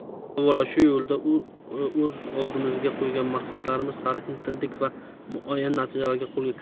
biz avvalo shu yo'lda o'z oldimizga qo'ygan maqsadlarimiz sari intildik va muayyan natijalarni qo'lga kiritdik